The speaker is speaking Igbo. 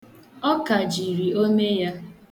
Ọ kajiri ome ya.